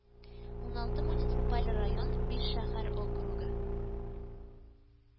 Уналты муниципаль район, биш шәһәр округы